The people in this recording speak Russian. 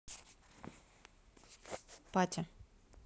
патя